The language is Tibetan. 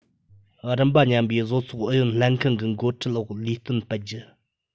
རིམ པ མཉམ པའི བཟོ ཚོགས ཨུ ཡོན ལྷན ཁང གི འགོ ཁྲིད འོག ལས དོན སྤེལ རྒྱུ